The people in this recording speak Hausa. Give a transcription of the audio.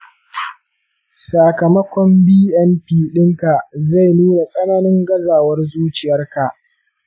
sakamakon bnp ɗinka zai nuna tsananin gazawar zuciyarka.